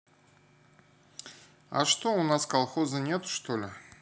а что у нас колхоза нету что ли